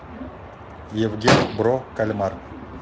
евген бро кальмар